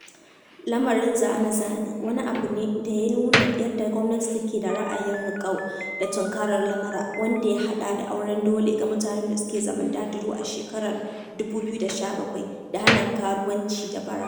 Lamarin "zane-zane" wani abu ne da ya nuna yadda gwamnatin take da ra'ayin riƙau da tunkarar lamura, wanda ya haɗa da auren dole ga mutanen da suke zaman dadiro a shekarar 2017 da hana karuwanci da bara.